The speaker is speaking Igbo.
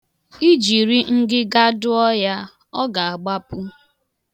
Ị jiri ngịga dụọ ya, ọ ga-agbapu.